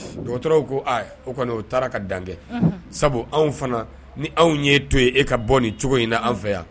Dɔgɔtɔrɔw ko o kɔni u taara ka dan sabu anw fana ni anw ye to ye e ka bɔ ni cogo in na an fɛ yan